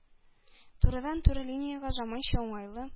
Турыдан-туры линиягә заманча уңайлы